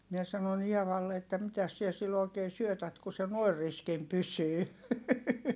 minä sanoin Eevalle että mitäs sinä sille oikein syötät kun se noin riskinä pysyy